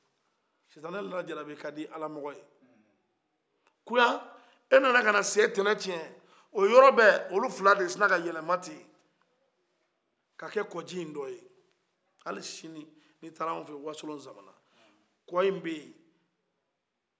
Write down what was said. sitana lajarabi ka di ni alamɔgɔ ye koya e nana ka na se tana tiɲɛ o yɔrɔ bɛ olu fila de sina ka yɛlɛma ten ka kɛ ko ji don ye ali sini ni i tara an fɛ ye wasolo zamana kɔ in bɛ ye